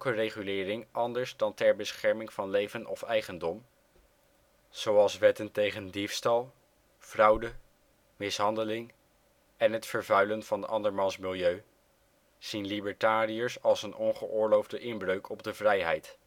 regulering anders dan ter bescherming van leven of eigendom (zoals wetten tegen diefstal, fraude, mishandeling en het vervuilen van andermans milieu) zien libertariërs als een ongeoorloofde inbreuk op de vrijheid